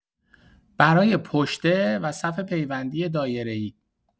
برای پشته و صف پیوندی دایره‌ای